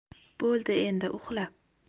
bo'ldi endi uxla